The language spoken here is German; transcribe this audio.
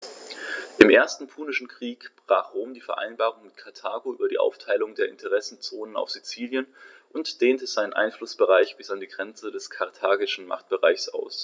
Im Ersten Punischen Krieg brach Rom die Vereinbarung mit Karthago über die Aufteilung der Interessenzonen auf Sizilien und dehnte seinen Einflussbereich bis an die Grenze des karthagischen Machtbereichs aus.